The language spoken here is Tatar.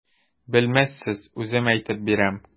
Белмәссез, үзем әйтеп бирәм.